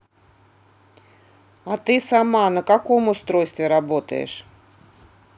а ты сама на каком устройстве работаешь